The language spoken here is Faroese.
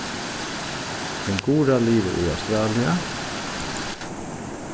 kengura livir í australia